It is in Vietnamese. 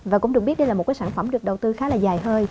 và cũng được biết đây là một cái sản phẩm được đầu tư khá là dài hơi